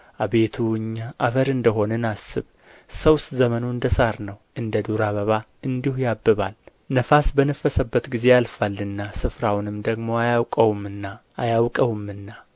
አቤቱ እኛ አፈር እንደ ሆንን አስብ ሰውስ ዘመኑ እንደ ሣር ነው እንደ ዱር አበባ እንዲሁ ያብባል ነፋስ በነፈሰበት ጊዜ ያልፋልና ስፍራውንም ደግሞ አያውቀውምና